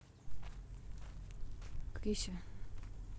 кыся